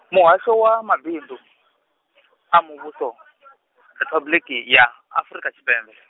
Muhasho wa Mabindu, a Muvhuso, Riphabuḽiki ya Afrika Tshipembe.